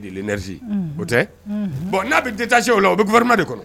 O tɛ bɔn n'a bɛ tɛ se o o bɛ vma de kɔnɔ